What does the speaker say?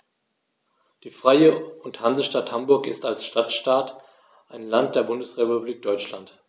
Die Freie und Hansestadt Hamburg ist als Stadtstaat ein Land der Bundesrepublik Deutschland.